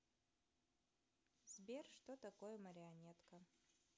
сбер что такое марионетка